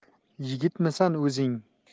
yigitmisan o'zing